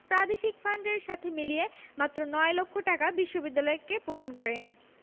প্রাদেশিক ফান্ডেলর সাথে মিলিয়ে মাত্র নয় লক্ষ টাকা বিশ্ববিদ্যালয়কে প্রদান করেন